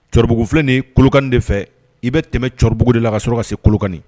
Cɛkɔrɔbabuguugufii kolokan de fɛ i bɛ tɛmɛ cɛkɔrɔbabuguugu de la ka sɔrɔ ka se kolokani